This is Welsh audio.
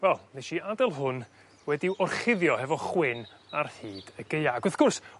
wel nesh i ad'el hwn wedi'w orchuddio hefo chwyn ar hyd y gaea ag wrth gwrs